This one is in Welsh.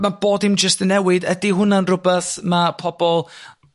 mae bod dim jyst yn newid ydi hwnna'n r'wbath ma' pobol